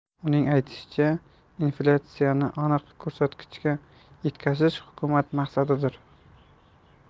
uning aytishicha inflyatsiyani aniq ko'rsatkichga yetkazish hukumat maqsadidir